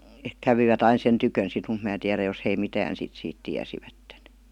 kävivät aina sen tykönä sitten mutta minä tiedä jos he mitään sitten siitä tiesivät